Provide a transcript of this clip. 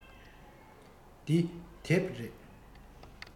འདི དེབ རེད